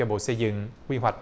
bộ xây dựng quy hoạch